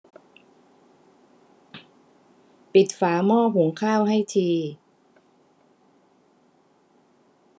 ปิดฝาหม้อหุงข้าวให้ที